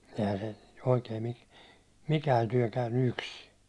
eihän se oikein niin mikään työ käynyt yksin